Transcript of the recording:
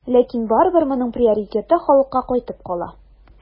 Ләкин барыбер моның приоритеты халыкка кайтып кала.